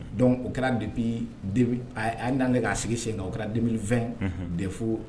Donc o kɛra depuis an nan kɛ ka sigi sen kan o kɛra 2020 DEF